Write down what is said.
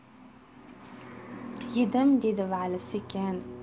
yedim dedi vali sekin